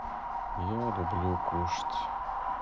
я люблю кушать